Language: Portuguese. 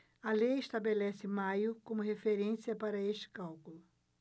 a lei estabelece maio como referência para este cálculo